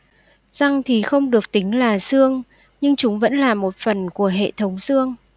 răng thì không được tính là xương nhưng chúng vẫn là một phần của hệ thống xương